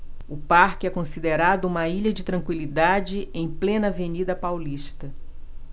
o parque é considerado uma ilha de tranquilidade em plena avenida paulista